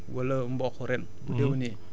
donc tool bu xam ne da nga fa béy dugub